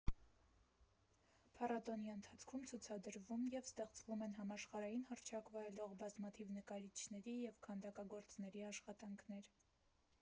Փառատոնի ընթացքում ցուցադրվում և ստեղծվում են համաշխարհային հռչակ վայելող բազմաթիվ նկարիչների և քանդակագործների աշխատանքներ։